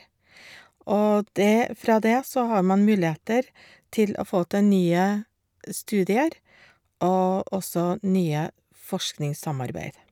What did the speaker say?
Og det fra det så har man muligheter til å få til nye studier, og også nye forskningssamarbeid.